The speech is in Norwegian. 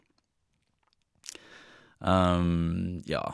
Ja.